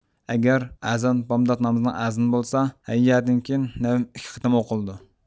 ئەگەر ئەزان بامدات نامىزىنىڭ ئەزىنى بولسا ھەييە دىن كېيىن نەۋم ئىككى قېتىم ئوقۇلىدۇ